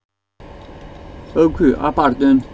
ཨ ཁུས ཨ ཕར སྟོན